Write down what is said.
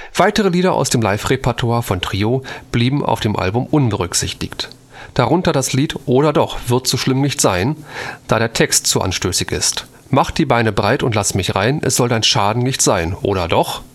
Weitere Lieder aus dem Live-Repertoire von Trio blieben auf dem Album unberücksichtigt, darunter das Lied Oder doch – Wird so schlimm nicht sein, da der Text zu anstößig ist: „ Mach’ die Beine breit und lass’ mich rein, es soll dein Schaden nicht sein. Oder doch